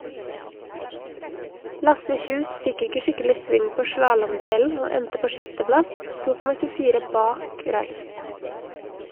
Lasse Kjus fikk ikke skikkelig sving på slalåmdelen, og endte på sjetteplass, 2,24 bak Raich.